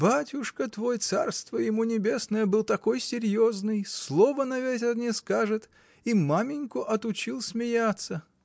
— Батюшка твой, царство ему небесное, был такой серьезный, слова на ветер не скажет, и маменьку отучил смеяться.